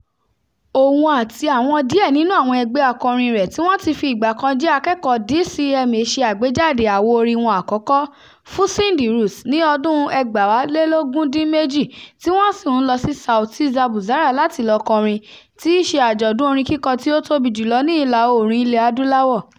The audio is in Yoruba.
Òun àti àwọn díẹ̀ nínú àwọn ẹgbẹ́ akọrin rẹ̀ tí wọ́n ti fi ìgbà kan jẹ́ akẹ́kọ̀ọ́ DCMA ṣe àgbéjáde àwo orin wọn àkọ́kọ́, "Fusing the Roots", ní ọdún-un 2018, tí wọ́n sì ń lọ sí Sauti za Busara láti lọ kọrin, tí í ṣe àjọ̀dún orin kíkọ tí ó tóbi jù lọ ní Ìlà-oòrùn Ilẹ̀ Adúláwọ̀.